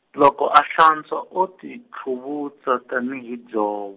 loko a hlantswa o ti tlhuvutsa tani hi dzo-.